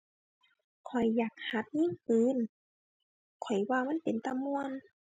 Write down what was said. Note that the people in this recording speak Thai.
ข้อยอยากหัดยิงปืน ข้อยว่ามันเป็นตาม่วน